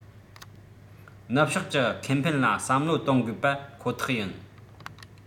ནུབ ཕྱོགས ཀྱི ཁེ ཕན ལ བསམ བློ གཏོང དགོས པ ཁོ ཐག ཡིན